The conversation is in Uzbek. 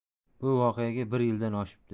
bu voqeaga bir yildan oshibdi